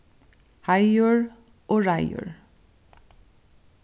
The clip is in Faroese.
heiður og reiður